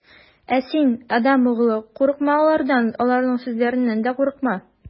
Ә син, адәм углы, курыкма алардан да, аларның сүзләреннән дә курыкма.